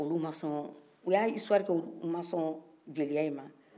olu ma sɔn jeliya in ma